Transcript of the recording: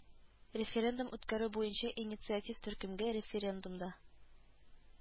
Референдум үткәрү буенча инициатив төркемгә референдумда